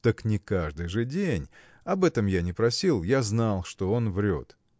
– Так не каждый же день; об этом я не просил; я знал, что он врет.